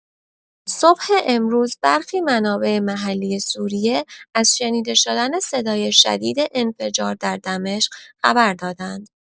صبح امروز برخی منابع محلی سوریه از شنیده شدن صدای شدید انفجار در دمشق خبر دادند.